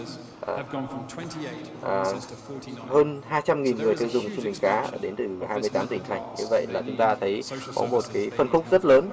trăm nghìn người tiêu dùng khi đánh cá đến từ hai mươi tám tỉnh thành như vậy là chúng ta thấy có một cái phân khúc rất lớn